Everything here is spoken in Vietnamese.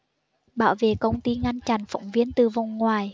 bảo vệ công ty ngăn chặn phóng viên từ vòng ngoài